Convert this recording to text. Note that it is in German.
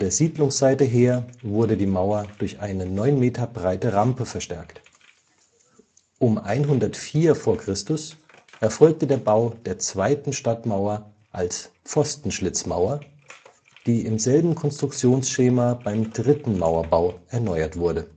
Siedlungsseite her wurde die Mauer durch eine neun Meter breite Rampe verstärkt. Um 104 v. Chr. erfolgte der Bau der zweiten Stadtmauer als Pfostenschlitzmauer, die im selben Konstruktionsschema beim dritten Mauerbau erneuert wurde